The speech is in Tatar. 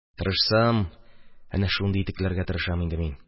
Тырышсам, әнә шундый итекләргә тырышам инде мин.